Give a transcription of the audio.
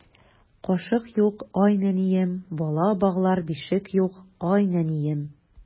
Кашык юк, ай нәнием, Бала баглар бишек юк, ай нәнием.